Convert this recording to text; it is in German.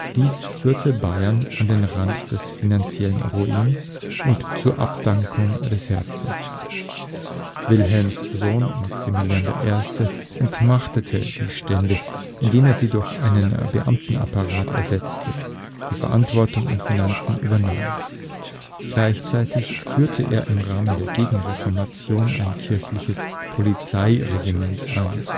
Dies führte Bayern an den Rand des finanziellen Ruins und zur Abdankung des Herzogs. Wilhelms Sohn Maximilian I. entmachtete die Stände, indem er sie durch einen Beamtenapparat ersetzte, der Verwaltung und Finanzen übernahm. Gleichzeitig führt er im Rahmen der Gegenreformation ein kirchliches Polizeiregiment ein